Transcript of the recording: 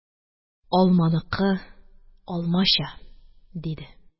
Алманыкы алмача! – диде.